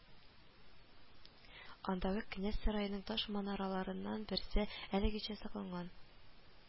Андагы князь сараеның таш манараларыннан берсе әлегечә сакланган